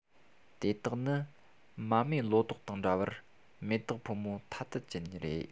དེ དག ནི མ རྨོས ལོ ཏོག དང འདྲ བར མེ ཏོག ཕོ མོ ཐ དད ཅན རེད